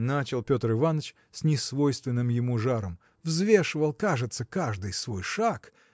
– начал Петр Иваныч с несвойственным ему жаром – взвешивал кажется каждый свой шаг.